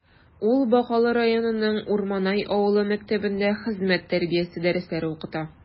Ул Бакалы районының Урманай авылы мәктәбендә хезмәт тәрбиясе дәресләре укыта.